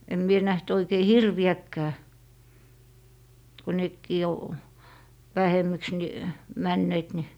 en minä nähnyt oikein hirviäkään kun nekin on vähemmäksi niin menneet niin